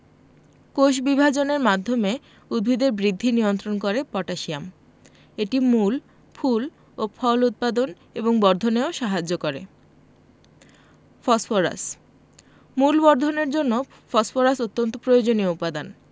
কোষবিভাজনের মাধ্যমে উদ্ভিদের বৃদ্ধি নিয়ন্ত্রণ করে পটাশিয়াম এটি মূল ফুল ও ফল উৎপাদন এবং বর্ধনেও সাহায্য করে ফসফরাস মূল বর্ধনের জন্য ফসফরাস অত্যন্ত প্রয়োজনীয় উপাদান